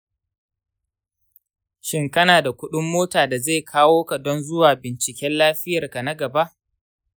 shin kana da kudin mota da zai kawo ka don zuwa binciken lafiyarka na gaba?